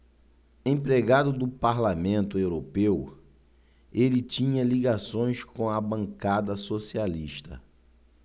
empregado do parlamento europeu ele tinha ligações com a bancada socialista